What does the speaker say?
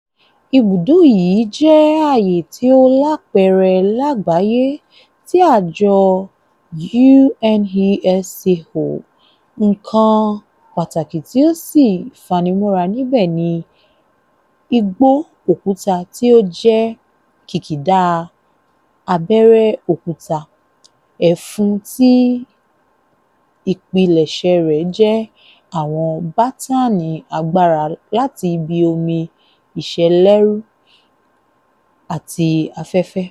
Ibùdó yìí jẹ́ Ààyè tí ó Lápẹẹrẹ Lágbàáyé tí àjọ UNESCO, nǹkan pàtàkì tí ó sì fanimọ́ra níbẹ̀ ni igbó òkúta tí ó jẹ́ kìkìdá abẹ́rẹ́ òkúta ẹfun tí ìpilẹ̀ṣẹ̀ rẹ̀ jẹ́ àwọn bátànì àgbàrá láti ibi omi ìsẹ́lẹ̀rú àti afẹ́fẹ́.